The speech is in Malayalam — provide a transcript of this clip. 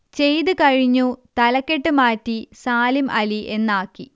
ചെയ്തു കഴിഞ്ഞു തലക്കെട്ട് മാറ്റി സാലിം അലി എന്നാക്കി